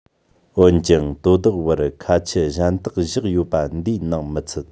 འོན ཀྱང དོ བདག བར ཁ ཆད གཞན དག བཞག ཡོད པ འདིའི ནང མི ཚུད